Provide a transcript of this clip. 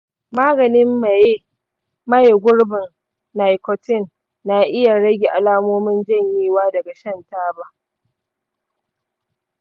maganin maye gurbin nicotine na iya rage alamomin janyewa daga shan taba.